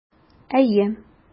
Әйе.